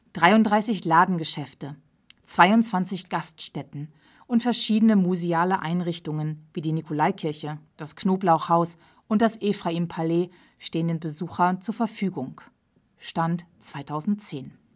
33 Ladengeschäfte, 22 Gaststätten und verschiedene museale Einrichtungen, wie die Nikolaikirche, das Knoblauchhaus und das Ephraim-Palais stehen den Besuchern zur Verfügung (Stand: 2010